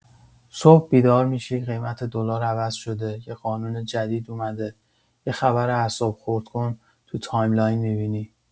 صبح بیدار می‌شی، قیمت دلار عوض شده، یه قانون جدید اومده، یه خبر اعصاب‌خردکن تو تایم‌لاین می‌بینی.